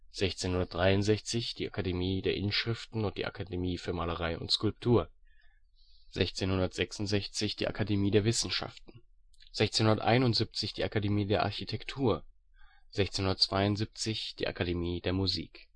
1663 die Akademie der Inschriften und die Akademie für Malerei und Skulptur 1666 die Akademie der Wissenschaften 1671 die Akademie der Architektur 1672 die Akademie der Musik